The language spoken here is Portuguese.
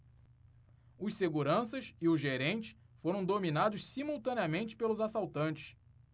os seguranças e o gerente foram dominados simultaneamente pelos assaltantes